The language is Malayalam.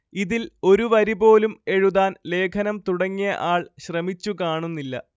ഇതിൽ ഒരു വരി പോലും എഴുതാൻ ലേഖനം തുടങ്ങിയ ആൾ ശ്രമിച്ചു കാണുന്നില്ല